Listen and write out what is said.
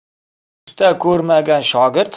usta ko'rmagan shogird